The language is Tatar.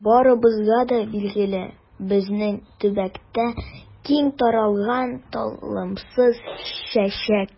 Ул барыбызга да билгеле, безнең төбәктә киң таралган талымсыз чәчәк.